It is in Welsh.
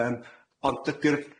Yym ond dydi'r